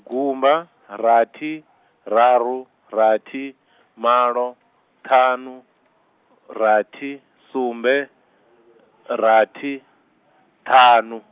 gumba, rathi, raru, rathi, malo, ṱhanu, rathi, sumbe , rathi, ṱhanu.